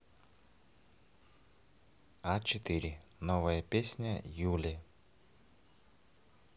а четыре новая песня юле